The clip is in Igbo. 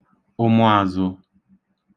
ụmụ̄āzụ̄